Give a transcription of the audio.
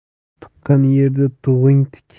tuqqan yerda tug'ing tik